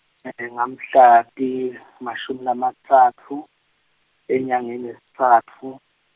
ngamhla ti, mashumi lamatsatfu, enyangeni yesitsatfu.